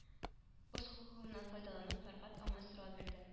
Үз хокукыннан файдаланып фәргать аңа сорау бирде